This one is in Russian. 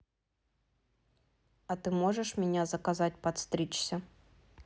а ты можешь меня заказать подстричься